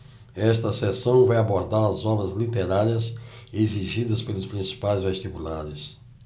esta seção vai abordar as obras literárias exigidas pelos principais vestibulares